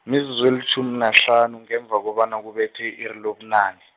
mizuzu elitjhumi nahlanu ngemva kobana kubethe i-iri lobunane.